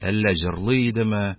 Әллә жырлый идеме